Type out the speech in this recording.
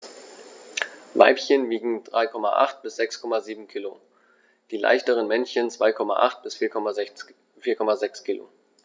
Weibchen wiegen 3,8 bis 6,7 kg, die leichteren Männchen 2,8 bis 4,6 kg.